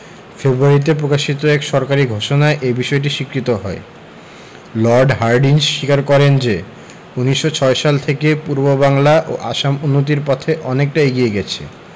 ফেব্রুয়ারিতে প্রকাশিত এক সরকারি ঘোষণায় এ বিষয়টি স্বীকৃত হয় লর্ড হার্ডিঞ্জ স্বীকার করেন যে ১৯০৬ সাল থেকে পূর্ববাংলা ও আসাম উন্নতির পথে অনেকটা এগিয়ে গেছে